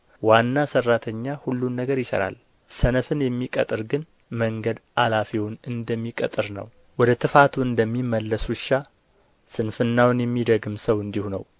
ዋና ሠራተኛ ሁሉን ነገር ይሠራል ሰነፍን የሚቀጥር ግን መንገድ አላፊውን እንደሚቀጥር ነው ወደ ትፋቱ እንደሚመለስ ውሻ ስንፍናውን የሚደግም ሰው እንዲሁ ነው